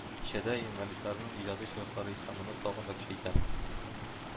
Кичәдә инвалидларның иҗади чыгышлары исә моны тагын да көчәйтә